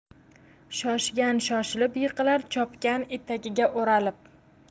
shoshgan shoshilib yiqilar chopgan etagiga o'ralib